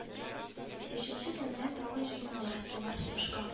Өченче көнне тагын җыеналар болар сугышка